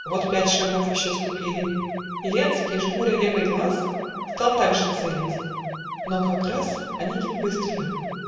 Вот пять шагов еще ступили, И Ленский, жмуря левый глаз, Стал также целить - но как раз Онегин выстрелил.